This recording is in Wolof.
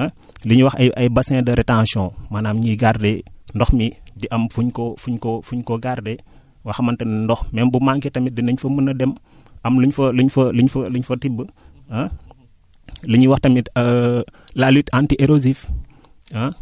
ah li ñuy wax ay ay bassin de rétention maanaam ñiy garder ndox mi di am fu ñu ko fu ñu ko fu ñu ko garder loo xamante ni ndox même bu manquer tamit dinañ fa mën a dem am luñ fa luñ fa luñ fa luñ fa tibb ah